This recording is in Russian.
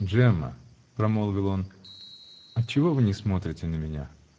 -- Джемма, -- промолвил он, -- отчего вы не смотрите на меня?